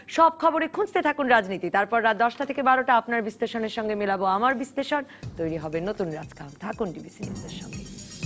সব খবরে খুঁজতে থাকুন রাজনীতি তারপর রাত দশটা থেকে বারোটা আপনার বিশ্লেষণ এর সঙ্গে মেলাবো আমার বিশ্লেষণ তৈরি হবে নতুন রাজকাহন থাকুন ডিবিসি নিউজ এর সঙ্গে